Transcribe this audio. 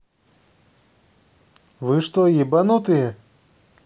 вы что ебанутые